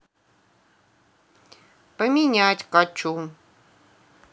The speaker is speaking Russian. поменять качу